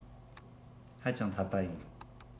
ཧ ཅང འཐད པ ཡིན